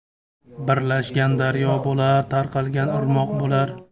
birlashgan daryo bo'lar tarqalgan irmoq bo'lar